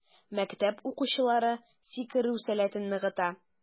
Мәктәп укучылары сикерү сәләтен ныгыта.